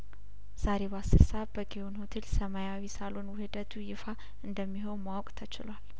ዛሬ በአስር ሰአት በጊዮን ሆቴል ሰማያዊ ሳሎን ውህደቱ ይፋ እንደሚሆን ማወቅ ተችሏል